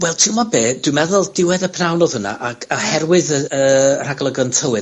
Wel t'mod be', dwi'n meddwl odd diwedd y pnawn odd hwnna. Ac oherwydd y y y rhagolygon tywydd,